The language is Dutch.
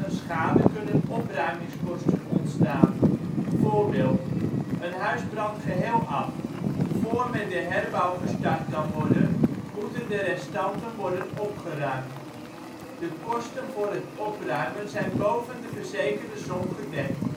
schade kunnen opruimingskosten ontstaan. voorbeeld Een huis brandt geheel af. Voor met de herbouw gestart kan worden, moeten de restanten worden opgeruimd. De kosten voor het opruimen zijn boven de verzekerde som gedekt